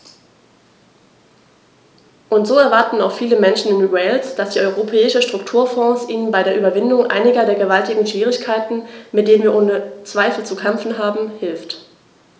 Und so erwarten auch viele Menschen in Wales, dass die Europäischen Strukturfonds ihnen bei der Überwindung einiger der gewaltigen Schwierigkeiten, mit denen wir ohne Zweifel zu kämpfen haben, hilft.